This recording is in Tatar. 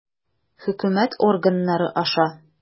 Хөкүмәт органнары аша.